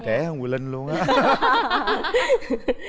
trẻ hơn quyền linh luôn á